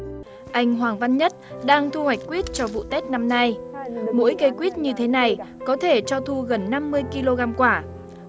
anh hoàng văn nhất đang thu hoạch quýt cho vụ tết năm nay mỗi cây quýt như thế này có thể cho thu gần năm mươi ki lô gam quả